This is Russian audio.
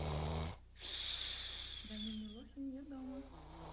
даня милохин я дома